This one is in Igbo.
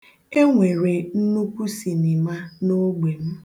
E nwere nnukwu sinima na ogbe m